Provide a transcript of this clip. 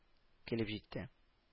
Килеп җитте…